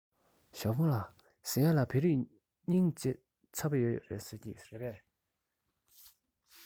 ཞའོ ཧྥུང ལགས ཟེར ཡས ལ བོད རིགས སྙིང རྗེ ཚ པོ ཡོད རེད ཟེར གྱིས རེད པས